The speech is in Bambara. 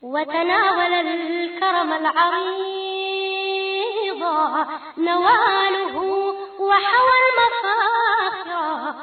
Wadugukɔrɔ ma wa